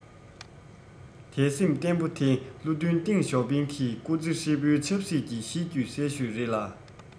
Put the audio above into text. དད སེམས བརྟན པོ དེ བློ མཐུན ཏེང ཞའོ ཕིང གི སྐུ ཚེ ཧྲིལ པོའི ཆབ སྲིད ཀྱི གཤིས རྒྱུད གསལ ཤོས ཤིག རེད ལ